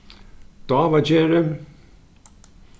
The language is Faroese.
dávagerði